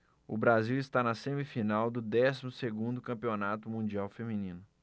o brasil está na semifinal do décimo segundo campeonato mundial feminino